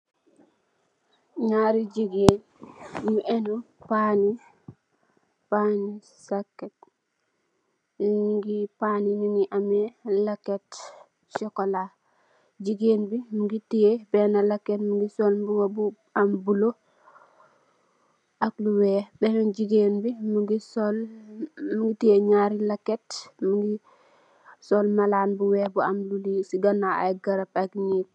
Njaari gigain nju ehndu paani, paan sacket, paani njungy ameh lehket chocolat, gigain bii mungy tiyeh benah lehket mungy sol mbuba bu am bleu ak lu wekh, benen gigain bii mungy sol lu mungy tiyeh njaari lehket, mungy sol malan bu wekh bu am lu lii cii ganaw aiiy garab ak nehgg.